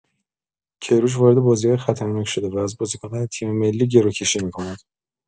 کیروش وارد بازی‌های خطرناک شده و از بازیکنان تیم‌ملی گروکشی می‌کند!